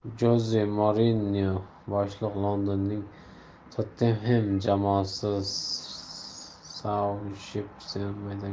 joze mourinyo boshliq londonning tottenhem jamoasi sauthempton maydoniga safar qildi